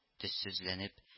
Төссезләнеп